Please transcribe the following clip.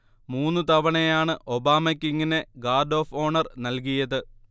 മൂന്ന് തവണയാണ് ഒബാമയ്ക്ക് ഇങ്ങനെ ഗാർഡ് ഒഫ് ഓണർ നൽകിയത്